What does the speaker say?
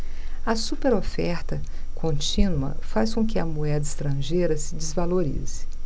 a superoferta contínua faz com que a moeda estrangeira se desvalorize